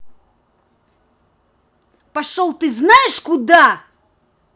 пошел ты знаешь куда